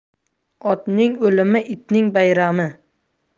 otning o'limi itning bayrami